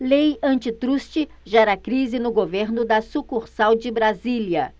lei antitruste gera crise no governo da sucursal de brasília